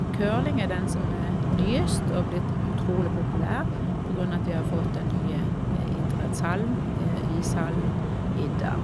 Curling er den som er nyest, og blitt utrolig populær, på grunn av at vi har fått den nye idrettshallen, ishallen, Idda.